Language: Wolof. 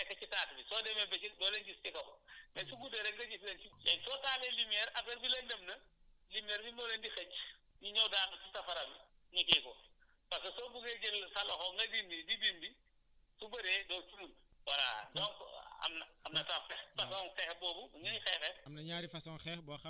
nga gis ñu wàcci nekk ci taat wi soo demee bëccëg doo leen gis ñu dox mais su guddee rek nga gis leen si léegi soo taalee lumière affaire bi lëndëm na lumière bi moo leen di xëcc ñu ñëw daanu safara bi ñu dee foofu parce que soo bëggee jël sa loxo nga dindi di dindi su bëree doo ci mucc voilà donc am na am na sax façon xeex boobu ñuy xeexee